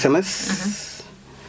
comment